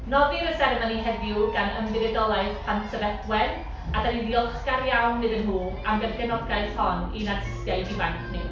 Noddir y seremoni heddiw gan Ymddiriedolaeth Pantyfedwen a dan ni'n ddiolchgar iawn iddyn nhw am y gefnogaeth hon i'n artistiaid ifanc ni.